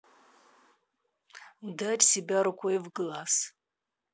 ударь себя рукой в глаз